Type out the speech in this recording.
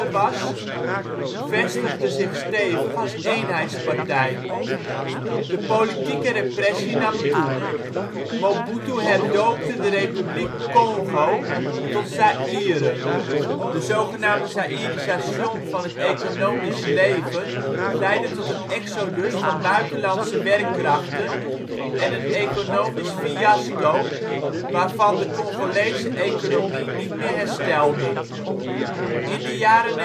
was, vestigde zich stevig als eenheidspartij. De politieke repressie nam toe. Mobutu herdoopte de republiek Congo tot Zaïre. De zogenaamde ' zaïrisation ' van het economisch leven, leidde tot een exodus van buitenlandse werkkrachten en een economisch fiasco, waarvan de Congolese economie niet meer herstelde. In de jaren